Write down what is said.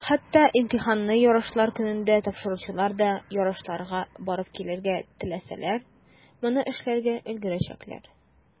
Хәтта имтиханны ярышлар көнендә тапшыручылар да, ярышларга барып килергә теләсәләр, моны эшләргә өлгерәчәкләр.